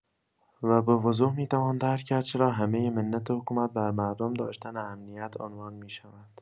و بوضوح میتوان درک کرد چرا همه منت حکومت بر مردم داشتن امنیت عنوان می‌شود.